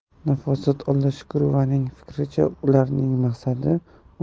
nafosat olloshukurovaning fikricha ularning maqsadi uni